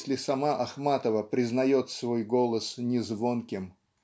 если сама Ахматова признает свой голос незвонким?